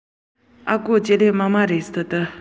མཛོད ཁང གི སྒེའུ ཁུང ནས